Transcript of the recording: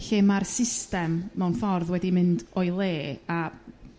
Lle ma'r system mewn ffordd wedi mynd o'i le a